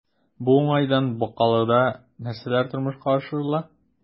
Бу уңайдан Бакалыда нәрсәләр тормышка ашырыла?